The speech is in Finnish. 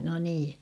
no niin